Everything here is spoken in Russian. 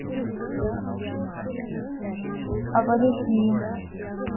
а подожди